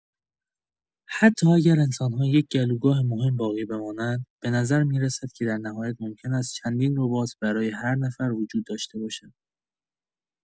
حتی اگر انسان‌ها یک گلوگاه مهم باقی بمانند، به‌نظر می‌رسد که در نهایت ممکن است چندین ربات برای هر نفر وجود داشته باشد.